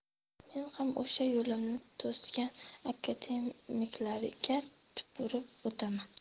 men ham o'sha yo'limni to'sgan akademiklaringga tupurib o'taman